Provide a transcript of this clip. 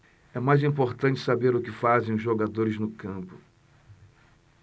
é mais importante saber o que fazem os jogadores no campo